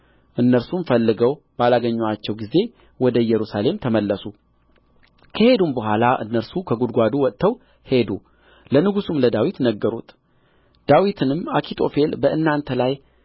እነርሱም ፈልገው ባላገኟቸው ጊዜ ወደ ኢየሩሳሌም ተመለሱ ከሄዱም በኋላ እነርሱ ከጕድጓድ ወጥተው ሄዱ ለንጉሡም ለዳዊት ነገሩት ዳዊትንም አኪጦፌል በእናንተ ላይ